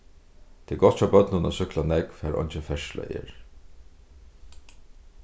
tað er gott hjá børnum at súkkla nógv har eingin ferðsla er